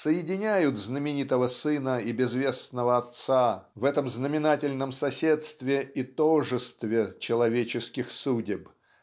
соединяют знаменитого сына и безвестного отца в этом знаменательном соседстве и тожестве человеческих судеб